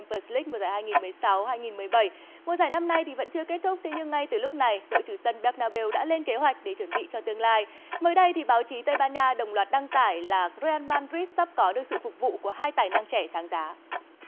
pừn lích mùa giải hai nghìn mười sáu hai nghìn mười bảy mùa giải năm nay thì vẫn chưa kết thúc nhưng ngay từ lúc này đội chủ sân béc na bêu đã lên kế hoạch để chuẩn bị cho tương lai mới đây thì báo chí tây ban nha đồng loạt đăng tải là rue an man ruýt sắp có được sự phục vụ của hai tài năng trẻ sáng giá